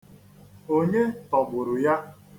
Onye tọgburu ya?